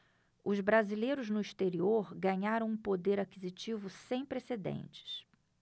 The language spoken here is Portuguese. os brasileiros no exterior ganharam um poder aquisitivo sem precedentes